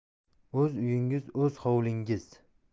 o'z uyingiz o'z xovlingiz